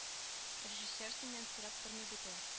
Режиссер синнән сорап тормый бит ул